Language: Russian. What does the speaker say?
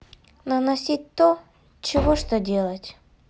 наносить то чего что делать